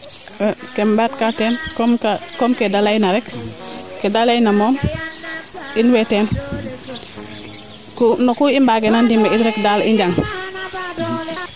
keem mbaat kaa teen comme kee de leyna rek keede leyna moom in way teen no kuu i mbageena ndimle it daal i njang